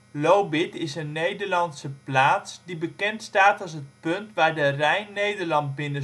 Lobith is een Nederlandse plaats die bekend staat als het punt waar de Rijn Nederland binnenstroomt. Het is